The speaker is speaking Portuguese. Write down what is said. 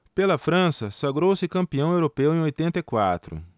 pela frança sagrou-se campeão europeu em oitenta e quatro